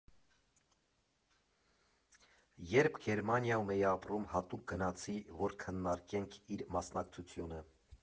Երբ Գերմանիայում էր ապրում, հատուկ գնացի, որ քննարկենք իր մասնակցությունը։